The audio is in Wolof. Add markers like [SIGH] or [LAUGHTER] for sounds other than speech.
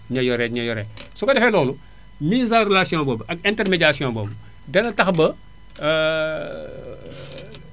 ña yore ña yore [NOISE] su ko defee loolu mise en relation boobu ak intermédiation boobu dana tax ba [HESITATION]